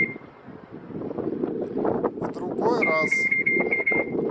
в другой раз